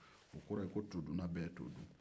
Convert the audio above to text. o kɔrɔ ye ko dunnan bɛ ye to dun